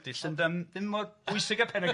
Dydy Llundain ddim mor bwysig a Penygroes.